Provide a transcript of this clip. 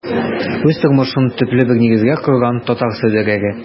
Үз тормышын төпле бер нигезгә корган татар сәүдәгәре.